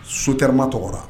So terima tɔgɔ